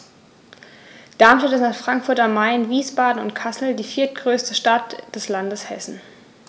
Darmstadt ist nach Frankfurt am Main, Wiesbaden und Kassel die viertgrößte Stadt des Landes Hessen